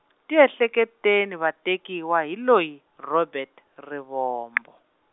tiehleketeni va tekiwa hi loyi, Robert Rivombo.